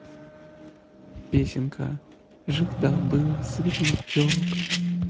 песенка жил да был светлячок